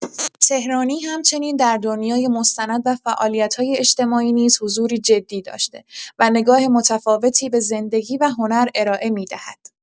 تهرانی همچنین در دنیای مستند و فعالیت‌های اجتماعی نیز حضوری جدی داشته و نگاه متفاوتی به زندگی و هنر ارائه می‌دهد.